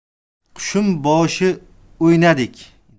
qushim boshi o'ynadik